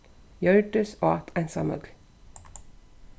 hjørdis át einsamøll